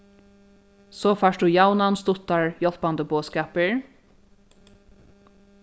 so fært tú javnan stuttar hjálpandi boðskapir